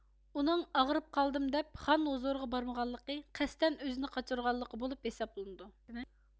ئۇنىڭ ئاغىرىپ قالدىم دەپ خان ھوزۇرىغا بارمىغانلىقى قەستەن ئۆزىنى قاچۇرغانلىقى بولۇپ ھېسابلىنىدۇ